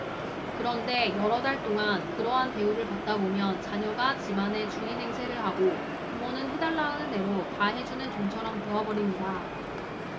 그런데 여러 달 동안 그러한 대우를 받다 보면 자녀가 집안의 주인 행세를 하고 부모는 해 달라는 대로 다 해 주는 종처럼 되어 버립니다